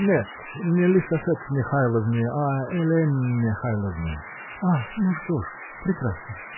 -- Нет, не Лисафет Михайловне, а Елен Михайловне. -- А! Н-у, что ж -- прекрасно.